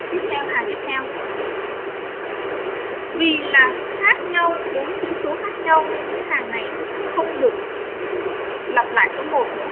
tiếp theo hàng tiếp theo khác nhau bốn chữ số khác nhau không được lặp lại số nữa